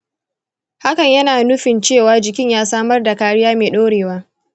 hakan yana nufin cewa jikin ya samar da kariya mai dorewa.